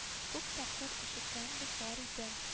Күп тапкыр ишеткәнбез бар иде